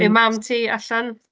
Yw mam ti allan?